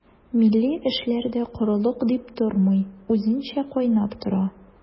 Милли эшләр дә корылык дип тормый, үзенчә кайнап тора.